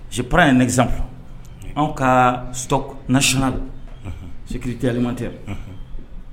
Sip ye nɛgɛgezfu an ka nasona don sikitelilima tɛ